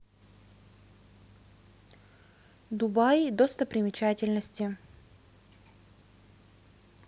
дубаи достопримечательности